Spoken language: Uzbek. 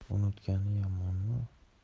unutgani yomonmi